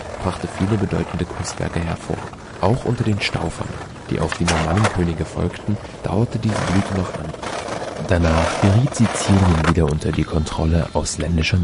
viele bedeutende Kunstwerke hervor. Auch unter den Staufern, die auf die Normannenkönige folgten, dauerte diese Blüte noch an. Danach geriet Sizilien wieder unter die Kontrolle ausländischer